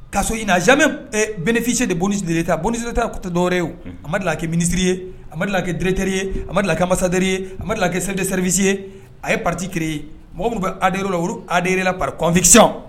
Kaa sɔrɔ in na zanme bɛnsi de bononisie ta bonseeta kɔtɛ dɔwɛrɛre ye abadala aki minisiririye a amadudlakiretereriye mallakɛmasadreye a amaduridalakesɛredsresi ye a ye patiurre ye mɔgɔ bɛ adr la adrela parikan2si